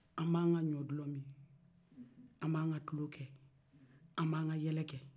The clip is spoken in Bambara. an b'an ka ɲɔdulɔ min an ka tulon kɛ an b'an ka yɛlɛ kɛ